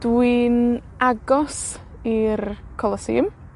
Dwi'n agos i'r Colosseum.